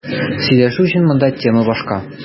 Сөйләшү өчен монда тема башка.